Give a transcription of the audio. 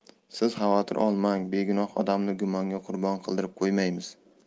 siz xavotir olmang begunoh odamni gumonga qurbon qildirib qo'ymasmiz